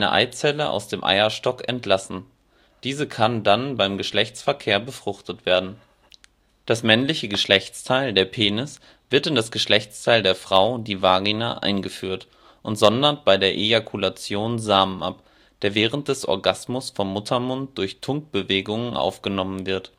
Eizelle aus dem Eierstock entlassen. Diese kann dann beim Geschlechtsverkehr befruchtet werden; das männliche Geschlechtsteil, der Penis, wird in das Geschlechtsteil der Frau, die Vagina, eingeführt und sondert bei der Ejakulation Samen ab, der während des Orgasmus vom Muttermund durch Tunkbewegungen aufgenommen wird